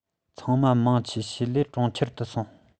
ཚང མ མང ཆེ ཤས ལས གྲོང ཁྱེར དུ སོང